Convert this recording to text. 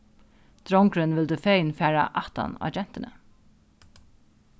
drongurin vildi fegin fara aftan á gentuni